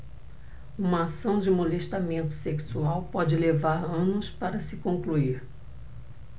uma ação de molestamento sexual pode levar anos para se concluir